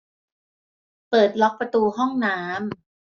เปิดล็อกประตูห้องน้ำ